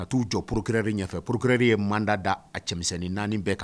Ka t'u jɔ procureur ɲɛfɛ procureur ye mandat da a cɛmisɛnnin naani bɛɛ kan